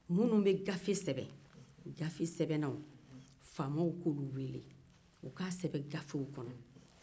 faamaw ka gafesɛbɛnnaw weele u k'a sɛbɛn gafew kɔnɔ